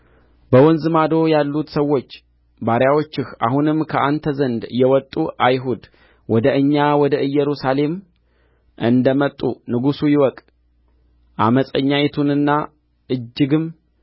በወንዝ ማዶ ያሉት ሰዎች ባሪያዎችህ አሁንም ከአንተ ዘንድ የወጡ አይሁድ ወደ እኛ ወደ ኢየሩሳሌም እንደ መጡ ንጉሡ ይወቅ ዓመፀኛይቱንና እጅግም